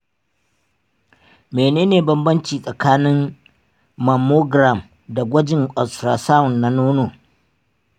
menene bambanci tsakanin mammogram da gwajin ultrasound na nono?